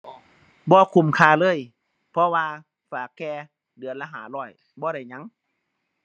บ่คุ้มค่าเลย เพราะว่าฝากแค่เดือนละห้าร้อย บ่ได้หยัง